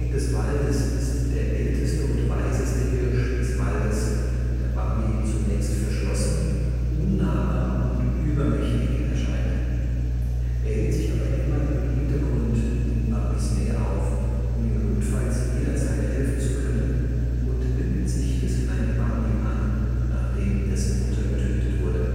des Waldes ist der älteste und weiseste Hirsch des Waldes, der Bambi zunächst verschlossen, unnahbar und übermächtig erscheint. Er hält sich aber immer im Hintergrund in Bambis Nähe auf, um ihm notfalls jederzeit helfen zu können, und nimmt sich des kleinen Bambi an, nachdem dessen Mutter getötet wurde